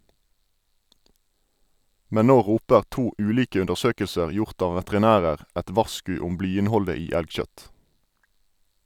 Men nå roper to ulike undersøkelser gjort av veterinærer et varsku om blyinnholdet i elgkjøtt.